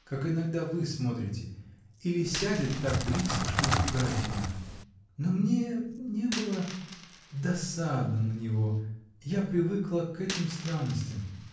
как иногда вы смотрите, или сядет так близко, что испугает меня. Но мне не было. досадно на него. Я привыкла к этим странностям